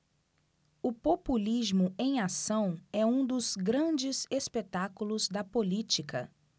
o populismo em ação é um dos grandes espetáculos da política